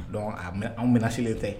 Donc an bɛnasilen tɛ